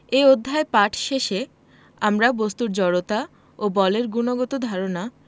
এ অধ্যায় পাঠ শেষে আমরা বস্তুর জড়তা ও বলের গুণগত ধারণা